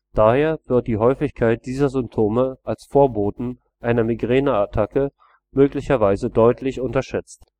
Daher wird die Häufigkeit dieser Symptome als Vorboten einer Migräneattacke möglicherweise deutlich unterschätzt